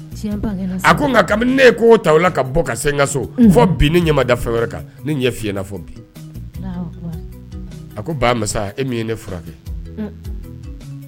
A nka kabini ne ta bɔ ka so bi ne ɲama fɛn wɛrɛ ba e ye ne furakɛ